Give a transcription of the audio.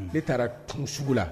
Ne taara kun sugu la